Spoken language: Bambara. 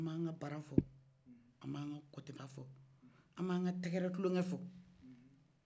an b'an ka bara fɔ k'an ka kɔtɛ fɔ an b'an b'a ka tɛgɛrɛ kulogɛ fɔ